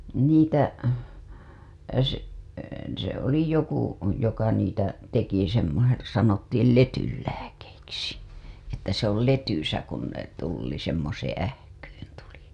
niitä se se oli joku joka niitä teki semmoisen sanottiin letyn lääkkeiksi että se oli letyssä kun ne tuli semmoiseen ähkyyn tuli